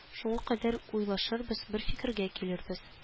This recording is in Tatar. Шуңа кадәр уйлашырбыз бер фикергә килербез